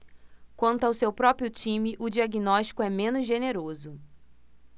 quanto ao seu próprio time o diagnóstico é menos generoso